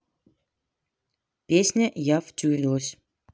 песня я втюрилась